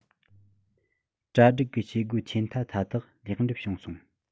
གྲ སྒྲིག གི བྱེད སྒོ ཆེ ཕྲ མཐའ དག ལེགས འགྲུབ བྱུང སོང